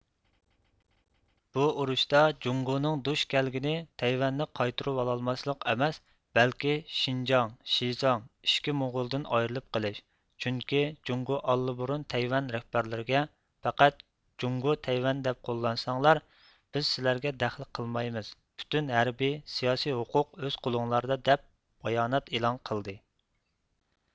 بۇ ئۇرۇشتا جۇڭگونىڭ دۇچ كەلگىنى تەيۋەننى قايتۇرۋالالماسلىق ئەمەس بەلكى شىنجاڭ شىزاڭ ئىچكى موڭغۇلدىن ئايرىلىپ قېلىش چۈنكى جۇڭگۇ ئاللىبۇرۇن تەيۋەن رەھبەرلىرىگە پەقەت جۇڭگۇ تەيۋەن دەپ قوللانساڭلار بىز سىلەرگە دەخلى قىلمايمىز پۈتۈن ھەربى سىياسى ھوقۇق ئۆز قولۇڭلاردا دەپ بايانات ئېلان قىلدى